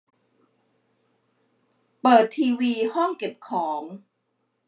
เปิดทีวีห้องเก็บของ